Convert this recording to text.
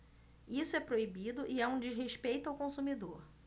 isso é proibido e é um desrespeito ao consumidor